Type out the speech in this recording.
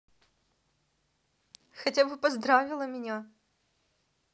хотя бы поздравила меня